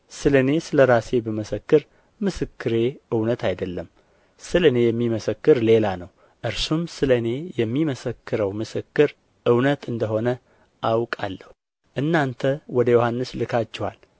ስለ እኔ የሚመሰክር ሌላ ነው እርሱም ስለ እኔ የሚመሰክረው ምስክር እውነት እንደ ሆነ አውቃለሁ እናንተ ወደ ዮሐንስ ልካችኋል